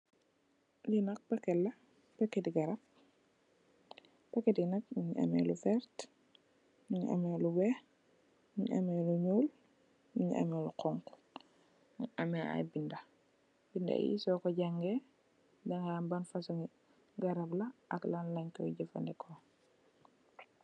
Lee nak packet la packete garab packete ye nak muge ameh lu verte muge ameh lu weex muge ameh lu nuul muge ameh lu xonxo mu ameh aye beda beda ye soku jange daga ham ban fosung garab la ak lanlenkoye jufaneku.